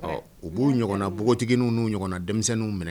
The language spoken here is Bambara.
Ɔ u b'u ɲɔgɔnna b npogotigiiginin n'u ɲɔgɔn na denmisɛnninw minɛ